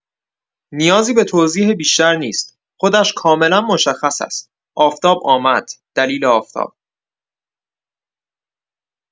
نیازی به توضیح بیشتر نیست، خودش کاملا مشخص است، آفتاب آمد دلیل آفتاب!